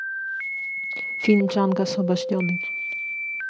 фильм джанго освобожденный